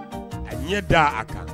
A ɲɛ da a kan